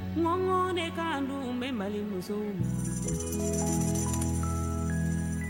Mali muso ma